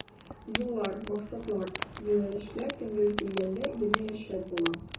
Юллар, максатлар, юнәлешләр тәңгәл килгәндә генә яшәп була.